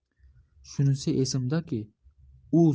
shunisi esimdaki u so'lagi